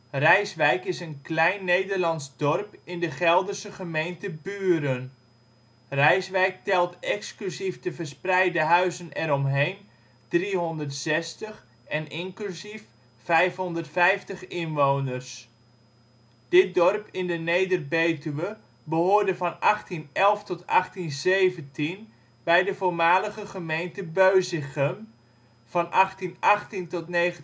Rijswijk is een klein Nederlands dorp in de Gelderse gemeente Buren. Rijswijk telt exclusief de verspreide huizen eromheen 360 en inclusief 550 inwoners (2006). Dit dorp in de Neder-Betuwe behoorde van 1811-1817 bij de voormalige gemeente Beusichem, van 1818-1998